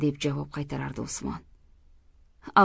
deb javob qaytarardi usmon